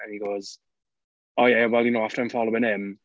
And he goes "oh yeah, well you know after I'm following him."